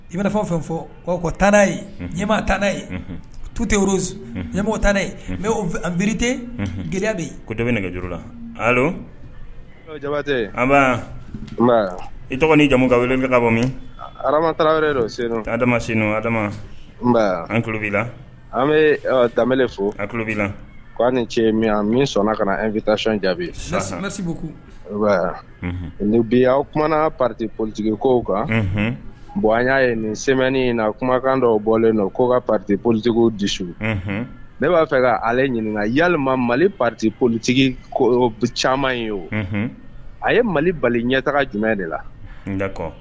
I mana fɔ aw fɛn fɔ kotada ɲɛ taada tute ɲɛ taa bitebi ko dɔ bɛ nɛgɛjuru la hali jabatɛ i tɔgɔ jamumu ka wele bɛbɔmita wɛrɛ dɔ sen adama senlobi an bɛ tɛmɛɛlɛ fɔlobi k' ni ce min an min sɔnna ka na an vtason jaabi an seguku nin bi aw kumaumana pate politigi ko kan bon an y'a ye nin semɛnin na kumakan dɔ bɔlen ko ka pate politigi dususu ne b'a fɛ'ale ɲini yalilima mali pate politigi caman in o a ye mali bali ɲɛ taga jumɛn de la